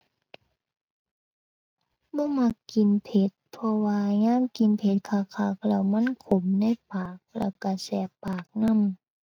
บ่มักกินเผ็ดเพราะว่ายามกินเผ็ดคักคักแล้วมันขมในปากแล้วก็แสบปากนำ